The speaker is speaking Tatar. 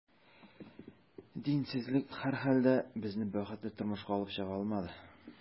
Динсезлек, һәрхәлдә, безне бәхетле тормышка алып чыга алмады.